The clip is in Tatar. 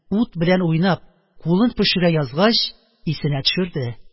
Ут белән уйнап кулын пешерә язгач исенә төшерде